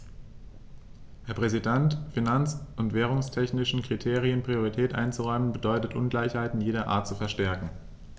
Herr Präsident, finanz- und währungstechnischen Kriterien Priorität einzuräumen, bedeutet Ungleichheiten jeder Art zu verstärken.